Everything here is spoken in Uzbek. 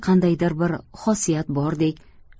qandaydir bir xosiyat bordek